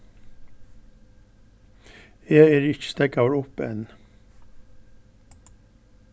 eg eri ikki steðgaður upp enn